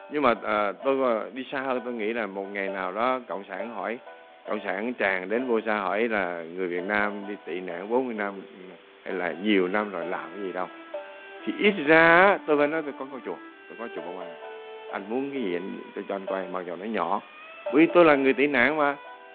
nhưng mà tôi vừa đi xa hơn tôi nghĩ là một ngày nào đó cộng sản hỏi cộng sản tràn đến bô sa hỏi là người việt nam đi tị nạn bốn năm để lại nhiều năm rồi làm gì đâu thì ít ra tôi vẫn nói đây có ngôi chùa có chùa bông hoa anh muốn cái gì tôi cho anh coi mặc dù nó nhỏ bởi vì tôi là người tị nạn mà